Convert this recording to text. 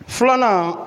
Filan